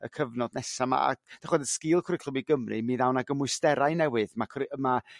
y cyfnod nesa 'ma ag d'ch'mod y' sgil cwricwlwm i Gymru mi ddaw 'na gymwysterau newydd ma' cwri- yrr ma'